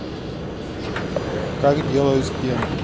как делают стену